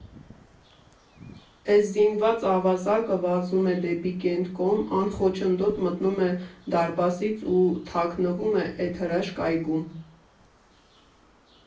Էս զինված ավազակը վազում է դեպի Կենտկոմ, անխոչնդոտ մտնում դարպասից ու թաքնվում էտ հրաշք այգում։